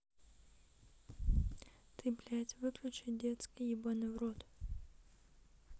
ты блядь выключи детский ебаный в рот